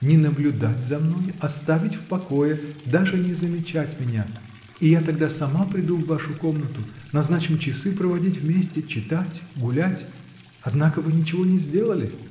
Не наблюдать за мной, оставить в покое, даже не замечать меня — и я тогда сама приду в вашу комнату, назначим часы проводить вместе, читать, гулять. Однако вы ничего не сделали.